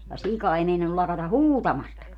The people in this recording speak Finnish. ja sika ei meinannut lakata huutamastakaan